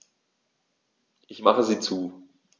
Ich mache sie zu.